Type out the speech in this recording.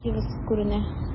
Пивз, күрен!